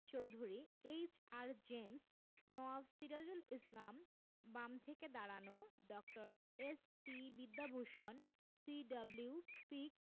Chowdhury H R. James Nawab Sirajul Islam বাম থেকে দাঁড়ানো ড. এস.সি. বিদ্যাভূষণ সি.ডব্লিউ. পিক